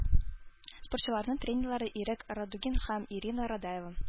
Спортчыларның тренерлары - Ирек Радугин һәм Ирина Радаева.